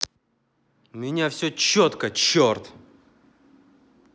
у меня все четко четко черт